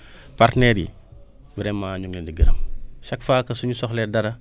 partenaires yi vraiment ñu ngi leen di gërëm chaque fois que suñu soxlawee dara